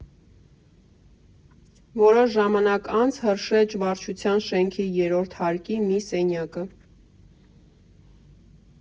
Որոշ ժամանակ անց՝ Հրշեջ վարչության շենքի երրորդ հարկի մի սենյակը։